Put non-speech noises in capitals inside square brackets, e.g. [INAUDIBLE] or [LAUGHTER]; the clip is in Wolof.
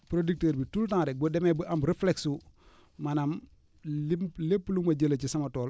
producteur bi tout le temps rek boo demee ba am reflex su [BREATH] maanaam lim lépp lu ma jëlee ci sama tool